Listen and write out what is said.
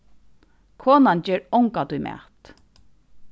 konan ger ongantíð mat